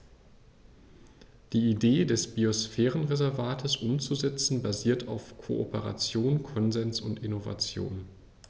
Die Idee des Biosphärenreservates umzusetzen, basiert auf Kooperation, Konsens und Innovation.